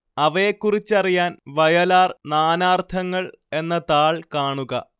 അവയെക്കുറിച്ചറിയാൻ വയലാർ നാനാർത്ഥങ്ങൾ എന്ന താൾ കാണുക